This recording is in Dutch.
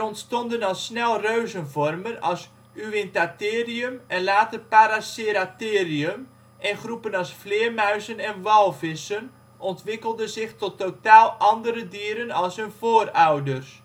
ontstonden al snel reuzenvormen als Uintatherium en later Paraceratherium en groepen als vleermuizen en walvissen ontwikkelden zich tot totaal andere dieren dan hun voorouders.